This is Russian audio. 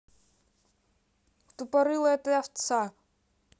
тупорылая ты овца